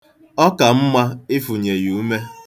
Ọ ka mma ịfụnye ya ume.